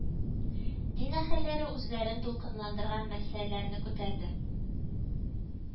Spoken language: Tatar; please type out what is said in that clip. Дин әһелләре үзләрен дулкынландырган мәсьәләләрне күтәрде